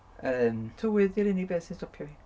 Yym... Tywydd 'di'r unig beth sy'n stopio fi.